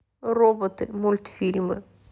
роботы мультфильмы